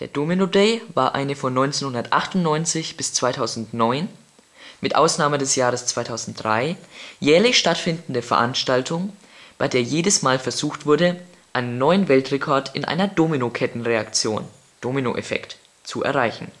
Domino Day war eine von 1998 – 2009 mit Ausnahme des Jahres 2003 jährlich stattfindende Veranstaltung, bei der jedes Mal versucht wurde, einen neuen Weltrekord in einer Domino-Kettenreaktion (Domino-Effekt) zu erreichen